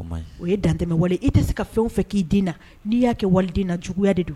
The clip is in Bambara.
O ye dantɛmɛ wale i tɛ se ka fɛnw fɛ k'i den na n'i y'a kɛ waliden na juguyaya de don